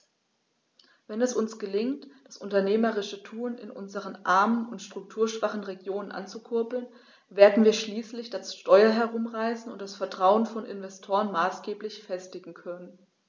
Wenn es uns gelingt, das unternehmerische Tun in unseren armen und strukturschwachen Regionen anzukurbeln, werden wir schließlich das Steuer herumreißen und das Vertrauen von Investoren maßgeblich festigen können.